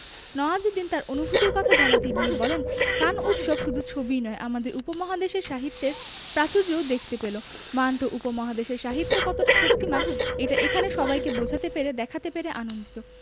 নওয়াজউদ্দিন তার অনুভূতির কথা জানাতে গিয়ে বলেন কান উৎসব শুধু ছবিই নয় আমাদের উপমহাদেশের সাহিত্যের প্রাচুর্যও দেখতে পেল মান্টো উপমহাদেশের সাহিত্যে কতটা শক্তিমান এটা এখানে সবাইকে বোঝাতে পেরে দেখাতে পেরে আনন্দিত